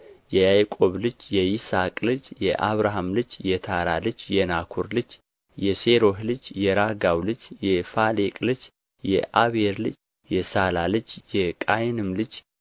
የያዕቆብ ልጅ የይስሐቅ ልጅ የአብርሃም ልጅ የታራ ልጅ የናኮር ልጅ የሴሮህ ልጅ የራጋው ልጅ የፋሌቅ ልጅ የአቤር ልጅ የሳላ ልጅ የቃይንም ልጅ